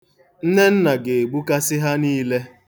Nnenne ga-egbukasị ha niile.